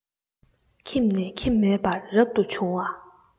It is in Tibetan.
ཁྱིམ ནས ཁྱིམ མེད པར རབ ཏུ བྱུང བ